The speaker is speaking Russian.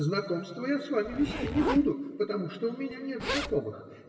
знакомства я с вами вести не буду, потому что у меня нет знакомых.